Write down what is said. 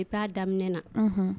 I'a daminɛ na